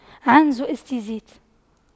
عنز استتيست